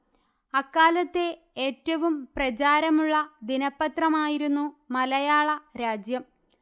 അക്കാലത്തെ ഏറ്റവും പ്രചാരമുള്ള ദിനപത്രമായിരുന്നു മലയാളരാജ്യം